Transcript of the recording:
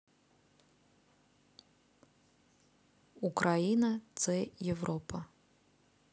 украина це европа